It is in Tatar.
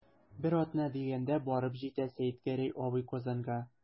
Бер атна дигәндә барып җитә Сәетгәрәй абый Казанга.